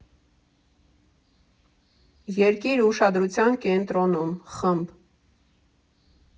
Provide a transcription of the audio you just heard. Երկիր ուշադրության կենտրոնում ֊ խմբ.